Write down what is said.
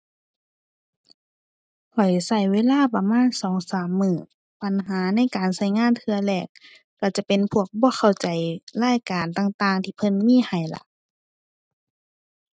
ข้อยใช้เวลาประมาณสองสามมื้อ ปัญหาในการใช้งานเทื่อแรก ใช้จะเป็นพวกบ่เข้าใจรายการต่างต่างที่เพิ่นมีให้ล่ะ